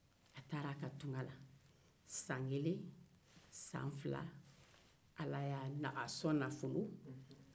a taara a ka tugan na san kelen san fila ala y'a sɔn nafolo la